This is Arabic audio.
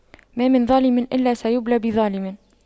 ما من ظالم إلا سيبلى بظالم